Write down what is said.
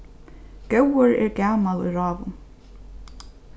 góður er gamal í ráðum